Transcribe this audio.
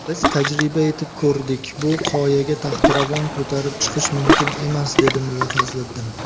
biz tajriba etib ko'rdik bu qoyaga taxtiravon ko'tarib chiqish mumkin emas dedi mulla fazliddin